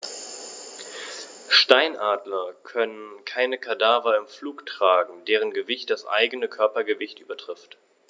Steinadler können keine Kadaver im Flug tragen, deren Gewicht das eigene Körpergewicht übertrifft.